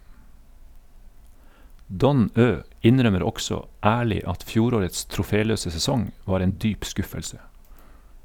Don Ø innrømmer også ærlig at fjorårets troféløse sesong var en dyp skuffelse.